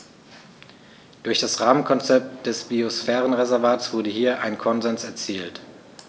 Durch das Rahmenkonzept des Biosphärenreservates wurde hier ein Konsens erzielt.